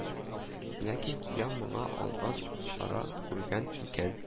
Ләкин кияү моңа алдан чара күргән икән: